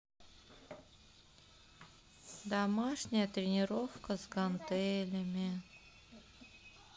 домашняя тренировка с гантелями